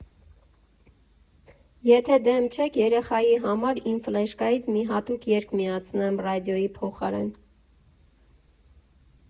Եթե դեմ չեք երեխայի համար իմ ֆլեշկայից մի հատուկ երգ միացնեմ ռադիոյի փոխարեն…